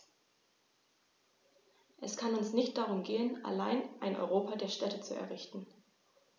Es kann uns nicht darum gehen, allein ein Europa der Städte zu errichten.